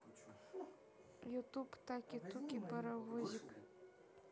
ютуб таки туки паровозик